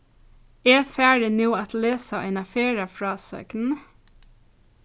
eg fari nú at lesa eina ferðafrásøgn